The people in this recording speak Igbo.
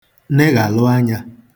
negh̀alụ anyā